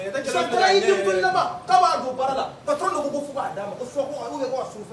La